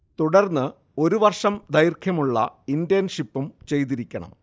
തുടർന്ന് ഒരു വർഷം ദൈർഘ്യമുള്ള ഇന്റേൺഷിപ്പും ചെയ്തിരിക്കണം